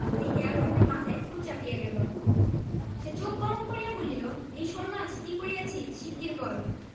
দেখিয়া রহিমের মাথায় খুন চাপিয়া গেল সে চোখ গরম করিয়া বলিল সেই শোলমাছ কি করিয়াছি শীগগীর বল